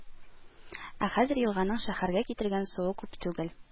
Ә хәзер елганың шәһәргә китергән суы күп түгел